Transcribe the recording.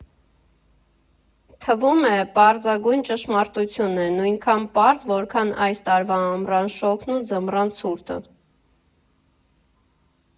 Թվում է՝ պարզագույն ճշմարտություն է, նույնքան պարզ, որքան այս տարվա ամռան շոգն ու ձմռան ցուրտը։